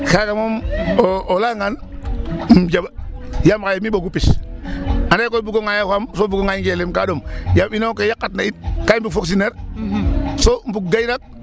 Kaaga moom o layangaan um jaɓ yaam xaye mi' ɓogu pis anda yee koy ɓogoogangaayo o faam soo ɓogogaayo ngeelem ka ɗom yaam ino ke yaqatna in ka i mbug fonctionnaire so mbug gaynaak .